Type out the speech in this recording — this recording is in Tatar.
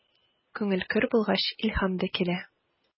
Күңел көр булгач, илһам да килә.